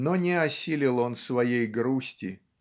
Но не осилил он своей грусти.